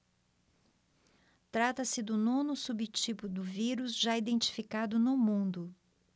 trata-se do nono subtipo do vírus já identificado no mundo